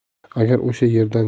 agar o'sha yerdan